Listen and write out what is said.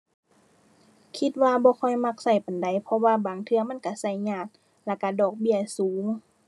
คิดว่าบ่ค่อยมักใช้ปานใด เพราะว่าบางเทื่อมันใช้ใช้ยาก แล้วใช้ดอกเบี้ยสูง